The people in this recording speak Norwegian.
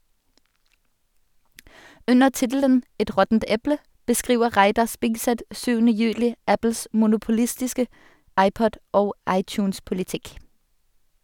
Under tittelen «Et råttent eple» beskriver Reidar Spigseth 7. juli Apples monopolistiske iPod- og iTunes-politikk.